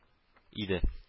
Иде